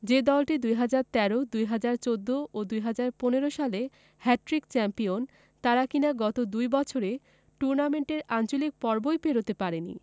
যে দলটি ২০১৩ ২০১৪ ও ২০১৫ সালে হ্যাটট্রিক চ্যাম্পিয়ন তারা কিনা গত দুই বছরে টুর্নামেন্টের আঞ্চলিক পর্বই পেরোতে পারেনি